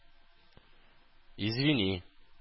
Извини